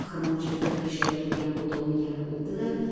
xirmon chetida qiyshayib turgan o'tovni yalab o'tdi da